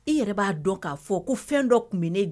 E yɛrɛ b'a dɔn ka fɔ ko fɛn dɔ tun bɛ ne